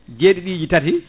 jeeɗiɗiji tati